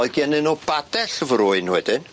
Oedd gennyn nw badell frwyn wedyn.